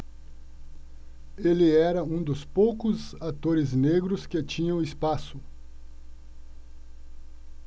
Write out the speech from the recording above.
ele era um dos poucos atores negros que tinham espaço